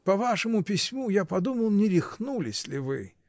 По вашему письму я подумал, не рехнулись ли вы?